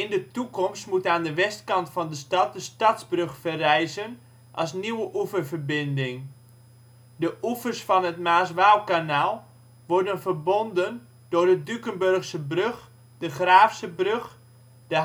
de toekomst moet aan de westkant van de stad de Stadsbrug verrijzen als nieuwe oeververbindingen. De oevers van het Maas-Waalkanaal worden verbonden door de Dukenburgsebrug, de Graafsebrug, de